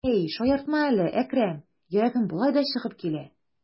Әй, шаяртма әле, Әкрәм, йөрәгем болай да чыгып килә.